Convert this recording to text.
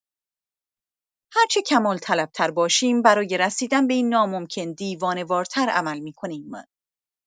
هرچه کمال طلب‌تر باشیم، برای رسیدن به این ناممکن، دیوانه‌وارتر عمل می‌کنیم.